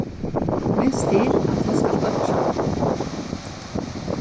minst til at tú skalt doyggja